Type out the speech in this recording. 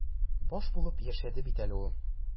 Баш булып яшәде бит әле ул.